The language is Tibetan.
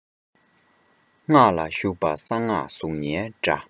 སྔགས ལ ཞུགས པ གསང སྔགས གཟུགས བརྙན འདྲ